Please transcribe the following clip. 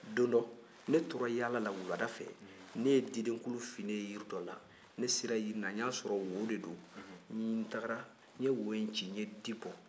don dɔ ne tora yaala la wulada fɛ ne ye didenkulu finnen ye jiri dɔ la ne sera jiri in na n y'a sɔrɔ wo de don n taara n ye wo in ci n ye di bɔ